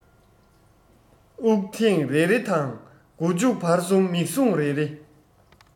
དབུགས ཐེངས རེ རེ དང མགོ མཇུག བར གསུམ མིག བཟུང རེ རེ